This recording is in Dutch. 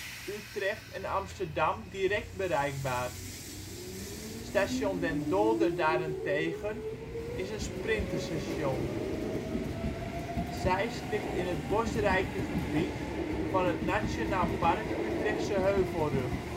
Utrecht en Amsterdam direct bereikbaar. Station Den Dolder daarentegen is een sprinter station. Zeist ligt in het bosrijke gebied van het Nationaal Park Utrechtse Heuvelrug